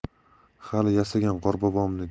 hali yasagan qorbobomni